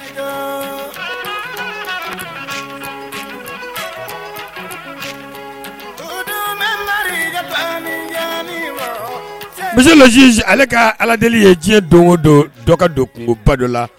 Monsieur le juge ale ka Ala deli ye diɲɛ don o don dɔ ka don kunkoba dɔ la